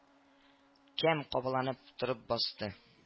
Кәм кабаланып торып басты